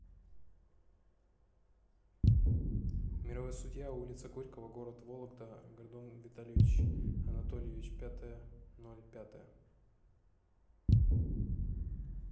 мировой судья улица горького город вологда гордон виталий анатольевич пятое ноль пятое